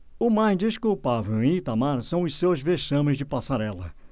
o mais desculpável em itamar são os seus vexames de passarela